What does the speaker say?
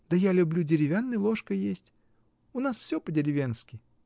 Да я люблю деревянной ложкой есть. У нас всё по-деревенски.